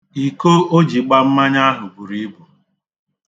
Iko o ji gba mmanya ahụ buru ibu.